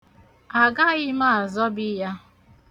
Agaghị m azọbi ya.